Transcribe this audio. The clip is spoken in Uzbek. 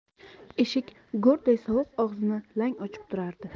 eshik go'rday sovuq og'zini lang ochib turardi